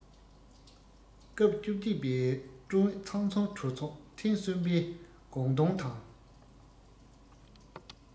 སྐབས བཅོ བརྒྱད པའི ཀྲུང ཨུ ཚང འཛོམས གྲོས ཚོགས ཐེངས གསུམ པའི དགོངས དོན དང